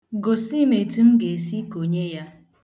Gosi m etu m ga-esi konye ya.